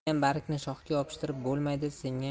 uzilgan bargni shoxga yopishtirib bo'lmaydi singan